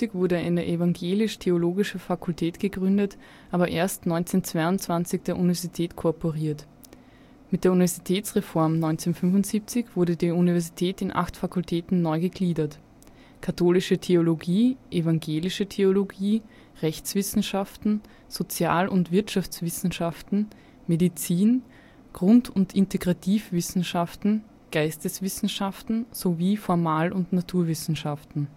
wurde eine Evangelisch-Theologische Fakultät gegründet, aber erst 1922 der Universität korporiert. Mit der Universitätsreform 1975 wurde die Universität in acht Fakultäten neu gegliedert: Katholische Theologie, Evangelische Theologie, Rechtswissenschaften, Sozial - und Wirtschaftswissenschaften, Medizin, Grund - und Integrativwissenschaften, Geisteswissenschaften sowie Formal - und Naturwissenschaften